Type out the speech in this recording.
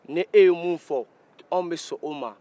ni e ye mun fɔ an bɛ sɔn o ma